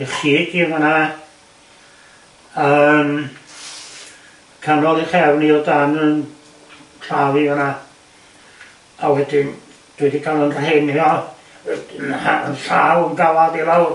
Ei chig i fan 'na yym canol i chefn i o dan yn llaw i fan 'na a wedyn dwi wedi ca'l yn rhenio yn llaw yn gafal hi lawr... Ia....